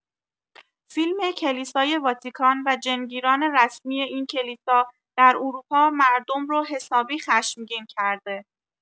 فیلم کلیسای واتیکان و جن‌گیران رسمی این کلیسا در اروپا مردم رو حسابی خشمگین کرده